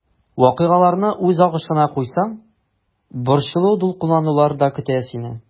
Вакыйгаларны үз агышына куйсаң, борчылу-дулкынланулар да көтә сине.